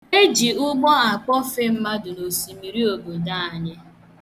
E ji ụgbọ akpọfe mmadụ n'osimiri obodo anyị.